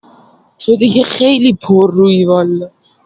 تو دیگه خیلی پررویی والا